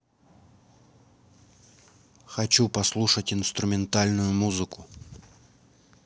хочу послушать инструментальную музыку